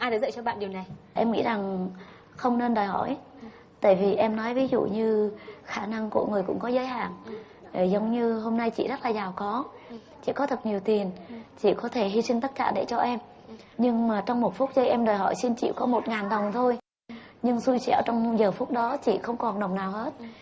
ai đã dạy cho bạn điều này em nghĩ rằng không nên đòi hỏi tại vì em nói ví dụ như khả năng của người cũng có giới hạn ở giống như hôm nay chị rất là giàu có chị có thật nhiều tiền chị có thể hy sinh tất cả để cho em nhưng mà trong một phút giây em đòi hỏi xin chịu có một ngàn đồng thôi nhưng xui xẻo trong giờ phút đó chị không còn đồng nào hết